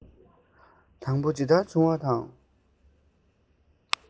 དང པོ ཇི ལྟར བྱུང བ དང